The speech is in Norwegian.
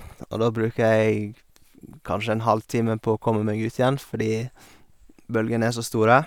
Og da bruker jeg kanskje en halvtime på å komme meg ut igjen fordi bølgene er så store.